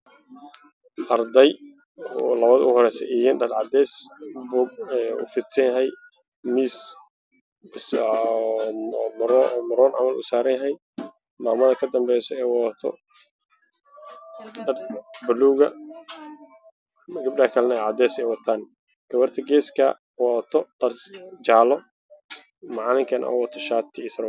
Waa arday labada ugu horeyso ay wataan dhar cadees ah